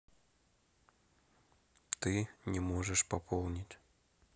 ты не можешь пополнить